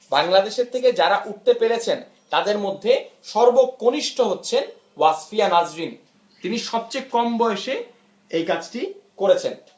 বাংলাদেশিদের মধ্যে যারা উঠতে পেরেছেন তাদের মধ্যে সর্বকনিষ্ঠ হচ্ছে ওয়াসফিয়া নাজরীন তিনি সবচেয়ে কম বয়সে এই কাজটি করেছেন